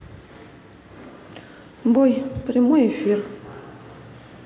бой прямой эфир